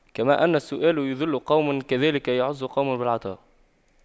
كما أن السؤال يُذِلُّ قوما كذاك يعز قوم بالعطاء